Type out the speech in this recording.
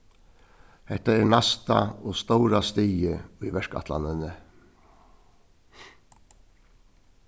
hetta er næsta og stóra stigið í verkætlanini